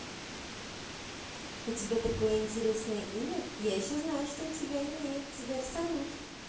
у тебя такое интересное имя я еще знаю что у тебя имеет сбер салют